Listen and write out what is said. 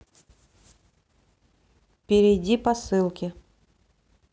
перейди по ссылке